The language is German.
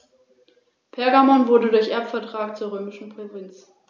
Der Schwanz der adulten Tiere ist braun und mehr oder weniger deutlich mit einigen helleren Bändern durchsetzt.